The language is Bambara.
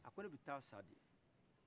a ko ne bɛ taa sa bi